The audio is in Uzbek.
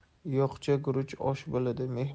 yo'qcha guruch osh bo'ladi